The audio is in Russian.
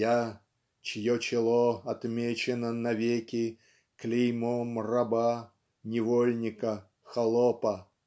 "Я, чье чело отмечено навеки клеймом раба, невольника, холопа".